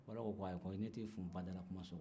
balobokary ko ayi n tɛ n fa dalakuma sɔsɔ